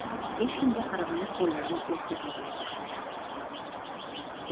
hech kimga qaramay qo'llarini o'tga toblay boshladi